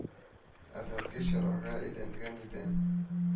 Әрнеткеч ярага әйләнгән иде